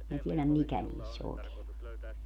minä tiedä mikä niissä oikein on